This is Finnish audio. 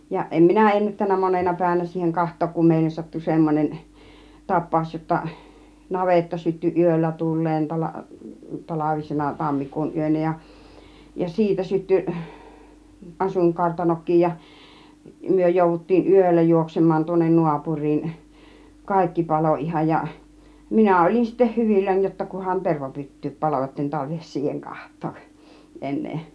ja en minä ennättänyt monena päivänä siihen katsoa kun meille sattui semmoinen tapaus jotta navetta syttyi yöllä tuleen - talvisena tammikuun yönä ja ja siitä syttyi asuinkartanokin ja me jouduttiin yöllä juoksemaan tuonne naapuriin kaikki paloi ihan ja minä olin sitten hyvilläni jotta kunhan tervapyttykin paloi jotta en tarvitse siihen katsoa enää